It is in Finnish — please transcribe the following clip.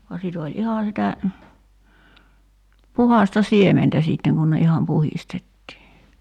vaan sitten oli ihan sitä puhdasta siementä sitten kun ne ihan puhdistettiin